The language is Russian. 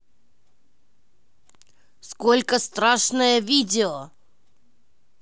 сколько страшное видео